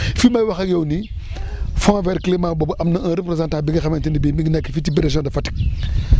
fii may waxak yow nii fond vers climat boobu am na un représentant bi nga xamante ni bii mi ngi nekk fii ci biir région de Fatick